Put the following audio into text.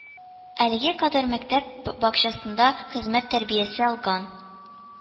Әлегә кадәр мәктәп бакчасында хезмәт тәрбиясе алган